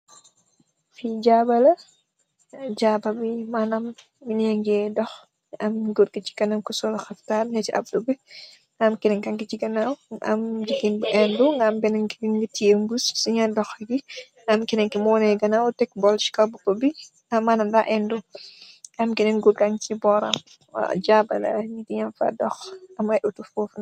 Fi jaaba la jaaba bi manam nit yeng geh dox am goor kui kanam sol haftan neeti abdou bi am kenen kan si ganaw nga am jigeen bu ennu kenen ki mogi tiyeh mbuss nyugi dox nga am kenen ki mogi wone ganaw tek bowl si mbopa bi manam da ennu am kenen ki neka si moram waw jaba la nitt yen fa dox am ay auto fofu.